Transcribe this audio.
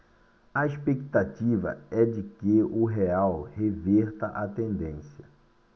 a expectativa é de que o real reverta a tendência